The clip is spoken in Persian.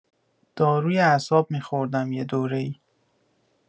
داروی اعصاب می‌خوردم یه دوره‌ای.